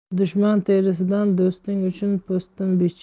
dushman terisidan do'sting uchun po'stin bich